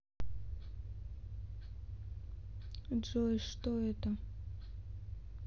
джой что это